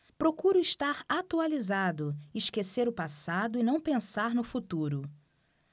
procuro estar atualizado esquecer o passado e não pensar no futuro